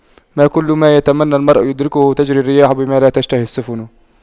ما كل ما يتمنى المرء يدركه تجرى الرياح بما لا تشتهي السفن